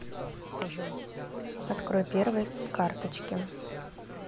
открой первые карточки